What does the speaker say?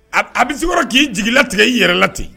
A bɛ se k’i jigi latigɛ i yɛrɛ la ten